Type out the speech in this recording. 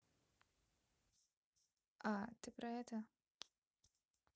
а ты про это